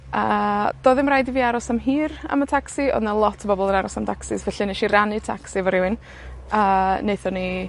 A do'dd ddim raid i fi aros am hir am y tacsi. Odd 'na lot o bobol yn aros am dacsis, felly nesh i rannu tacsi efo rywun, a nethon ni